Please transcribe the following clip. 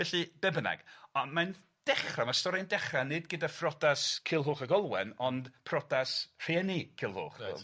Felly be' bynnag on' mae'n dechra ma'r stori'n dechra nid gyda phrodas Culhwch ag Olwen ond prodas rhieni Culhwch . Reit.